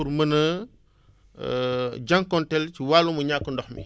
pour mën a jànkuwanteel ci wàllum ñàkk ndox mi